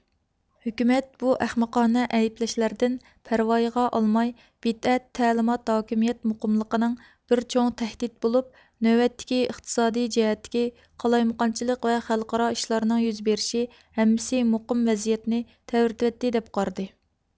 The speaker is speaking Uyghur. ھۆكۈمەت بۇ ئەخمىقانە ئەيىبلەشلەردىن پەرۋايىغا ئالماي بىدئەت تەلىمات ھاكىمىيەت مۇقىملىقىنىڭ بىر چوڭ تەھدىت بولۇپ نۆۋەتتىكى ئىقتىسادىي جەھەتتىكى قالايمىقانچىلىق ۋە خەلقئارا ئىشلارنىڭ يۈز بېرىشى ھەممىسى مۇقىم ۋەزىيەتنى تەۋرىتىۋەتتى دەپ قارىدى